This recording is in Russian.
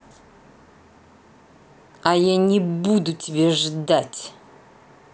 а я не буду тебя ждать